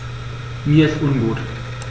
Mir ist ungut.